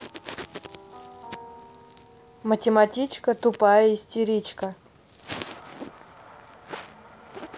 математематичка тупая истеричка